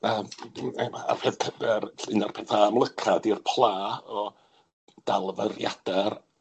un o'r petha amlyca ydi'r pla o dalfyriade'r